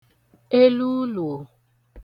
eluulùò